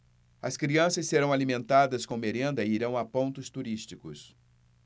as crianças serão alimentadas com merenda e irão a pontos turísticos